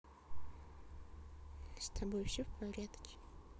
с тобой все в порядке